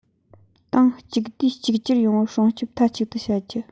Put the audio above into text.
ཏང གཅིག བསྡུས གཅིག གྱུར ཡོང བར སྲུང སྐྱོང མཐའ གཅིག ཏུ བྱ རྒྱུ